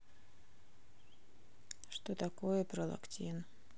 что такое пролактин